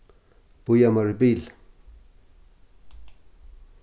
bíða mær eitt bil